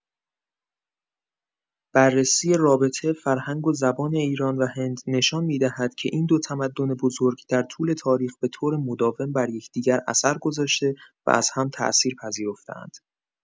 بررسی رابطه فرهنگ و زبان ایران و هند نشان می‌دهد که این دو تمدن بزرگ، در طول تاریخ به‌طور مداوم بر یکدیگر اثر گذاشته و از هم تأثیر پذیرفته‌اند.